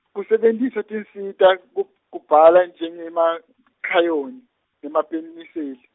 kusebentisa tinsita kub- kubhala njengemakhrayoni nemapeniseli.